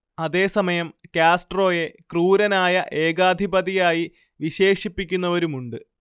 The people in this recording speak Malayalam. അതേ സമയം കാസ്ട്രോയെ ക്രൂരനായ ഏകാധിപതിയായി വിശേഷിപ്പിക്കുന്നവരുമുണ്ട്